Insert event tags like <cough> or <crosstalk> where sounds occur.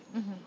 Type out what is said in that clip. <hesitation> <hesitation>